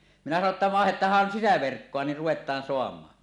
minä sanoin jotta vaihdetaan sisäverkkoa niin ruvetaan saamaan